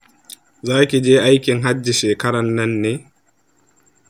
zaki je aikin hajji shekaran nan ne?